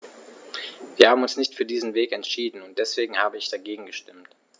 Wir haben uns nicht für diesen Weg entschieden, und deswegen habe ich dagegen gestimmt.